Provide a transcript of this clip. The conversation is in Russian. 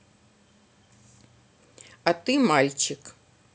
а ты мальчик